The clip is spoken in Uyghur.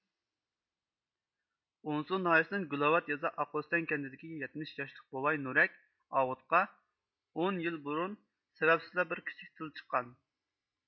ئونسۇ ناھىيىسىنىڭ گۈلاۋات يېزا ئاقئۆستەڭ كەنتىدىكى يەتمىش ياشلىق بوۋاي نۇرەك ئاۋۇتقا ئون يىل بۇرۇن سەۋەبسىزلا بىر كىچىك تىل چىققان